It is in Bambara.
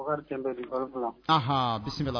Buakari Tenbeli Gɔlifu la. Anhan bisimila